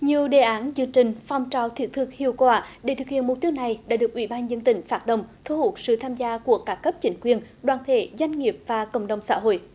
nhiều đề án chương trình phong trào thiết thực hiệu quả để thực hiện mục tiêu này đã được ủy ban nhân dân tỉnh phát động thu hút sự tham gia của các cấp chính quyền đoàn thể doanh nghiệp và cộng đồng xã hội